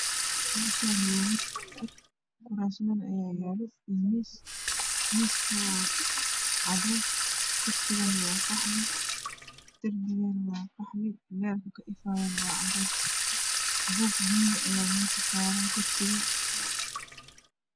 Meshani waa meel hol ah kurasman ayaa yala iyo miis misku waa cadees miskuna waa qalin derbiguna waa qalin lerka ka ifayana waa cadees buug baluuga ayaa mesha saran kursiga